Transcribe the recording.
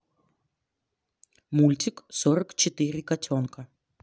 мультик сорок четыре котенка